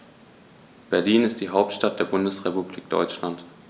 Berlin ist die Hauptstadt der Bundesrepublik Deutschland.